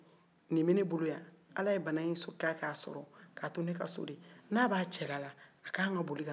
ni a b'a cɛla la an ka kan ka boli ka na ne ka so de